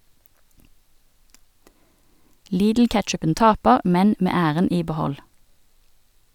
Lidl-ketchupen taper, men med æren i behold.